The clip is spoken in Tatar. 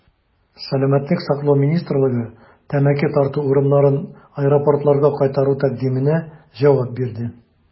Сәламәтлек саклау министрлыгы тәмәке тарту урыннарын аэропортларга кайтару тәкъдименә җавап бирде.